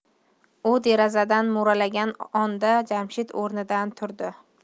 u derazadan mo'ralagan onda jamshid o'rnidan turdi